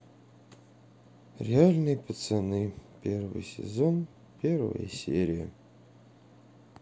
реальные пацаны первый сезон первая серия